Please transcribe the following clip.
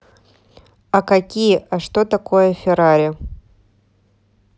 а какие а что такое ferrari